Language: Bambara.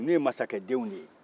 ninnu ye masakɛdenw ye